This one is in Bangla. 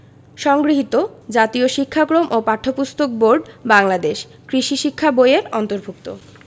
সংগৃহীত জাতীয় শিক্ষাক্রম ও পাঠ্যপুস্তক বোর্ড বাংলাদেশ কৃষি শিক্ষা বই এর অন্তর্ভুক্ত